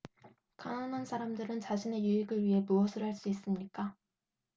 가난한 사람들은 자신의 유익을 위해 무엇을 할 수 있습니까